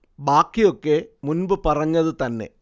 ബാക്കി ഒക്കെ മുൻപ് പറഞ്ഞത് തന്നെ